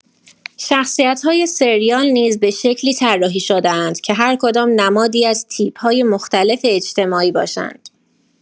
شخصیت‌های سریال نیز به شکلی طراحی شده‌اند که هر کدام نمادی از تیپ‌های مختلف اجتماعی باشند؛